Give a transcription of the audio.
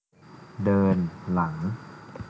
เดินหลัง